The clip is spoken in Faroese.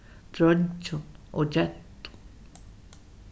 dreingjum og gentum